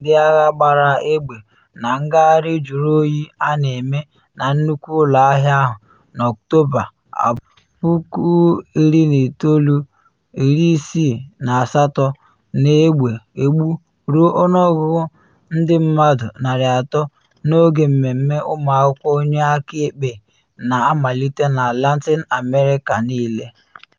Ndị agha gbara egbe na ngagharị juru oyi a na eme na nnukwu ụlọ ahịa ahụ na Ọktoba 2, 1968, na egbu ruo ọnụọgụ ndị mmadụ 300 n’oge mmemme ụmụ akwụkwọ onye akaekpe na amalite na Latin America niile.